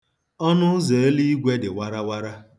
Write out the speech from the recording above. Ọnụụzọ eluigwe dị warawara.